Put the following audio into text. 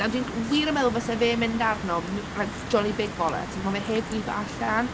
A dwi'n g- wir yn meddwl fyse fe'n mynd arno me- like Jonny big bollocks ond mae fe heb gweithio allan.